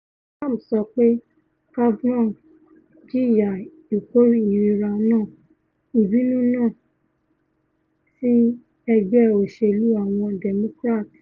Trump sọ pé Kavanaugh 'jìya, ìkó-ìrira náà, ìbínú náà' ti Ẹgbé Òṣèlú Àwọn Democrat